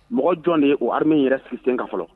Mɔgɔ jɔn de ye o ha min yɛrɛ siri sen kan fɔlɔ